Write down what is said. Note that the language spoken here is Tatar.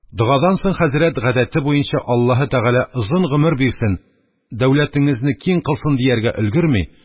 Догадан соң хәзрәт, гадәте буенча: – Аллаһе Тәгалә озын гомер бирсен, дәүләтеңезне киң кылсын! – дияргә өлгерми,